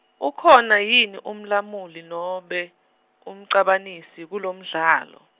ukhona yini umlamuli nobe, umcabanisi kulomdlalo.